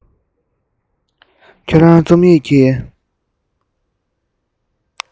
ཁྱོད རང རྩོམ རིག གི